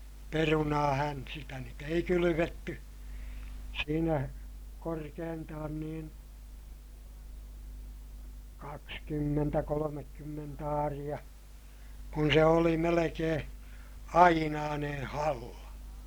perunaahan sitä nyt ei kylvetty siinä korkeintaan niin kaksikymmentä kolmekymmentä aaria kun se oli melkein ainainen halla